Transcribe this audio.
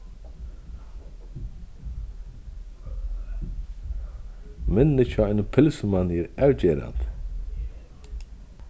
minnið hjá einum pylsumanni er avgerandi